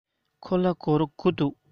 ཁོ ལ སྒོར དགུ འདུག